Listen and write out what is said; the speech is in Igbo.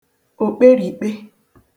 òkperìkpe